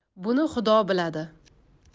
buni xudo biladi